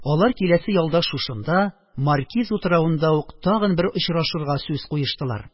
Алар киләсе ялда шушында, маркиз утравында ук тагын бер очрашырга сүз куештылар